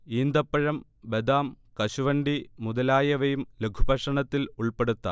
ഈന്തപ്പഴം, ബദാം, കശുവണ്ടി മുതലായവയും ലഘുഭക്ഷണത്തിൽ ഉൾപ്പെടുത്താം